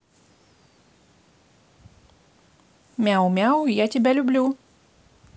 мяу мяу я тебя люблю